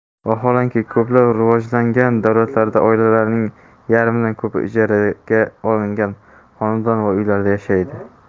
vaholanki ko'plab rivojlangan davlatlarda oilalarning yarmidan ko'pi ijaraga olingan xonadon va uylarda yashaydi